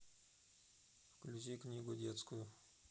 включи книгу детскую